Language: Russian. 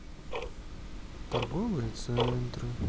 торговые центры